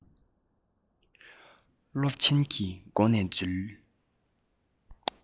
སློབ ཆེན གྱི སྒོ ནས འཛུལ